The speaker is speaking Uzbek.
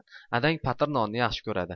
adang patir nonni yaxshi ko'radi